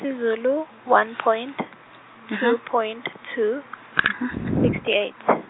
isiZulu one point , two point two , sixty eight .